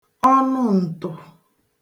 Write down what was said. ọnụǹtụ̀